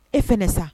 E fana sa